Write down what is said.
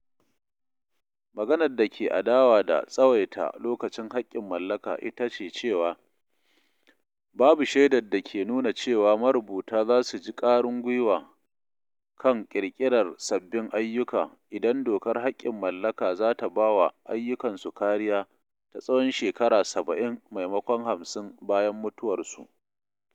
Maganar da ke adawa da tsawaita lokacin haƙƙin mallaka ita ce cewa babu shaidar da ke nuna cewa marubuta za su ji ƙarin ƙwarin gwiwa don ƙirƙirar sabbin ayyuka, idan dokar haƙƙin mallaka zata bawa ayyukan su kariya ta tsawon shekaru 70 maimakon 50 bayan mutuwarsu.